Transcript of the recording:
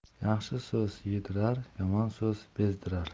yaxshi so'z iydirar yomon so'z bezdirar